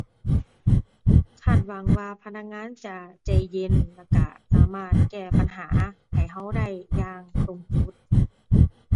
คาดหวังว่าพนักงานจะใจเย็น แล้วก็สามารถแก้ปัญหาให้ก็ได้อย่างตรงจุด